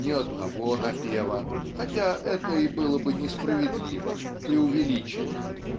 "ни одного напева", хотя это и было бы несправедливо, преувеличенно